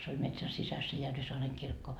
se oli metsän sisässä se Järvisaaren kirkko